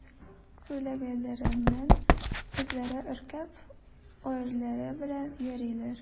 Үз күләгәләреннән үзләре өркеп, өерләре белән йөриләр.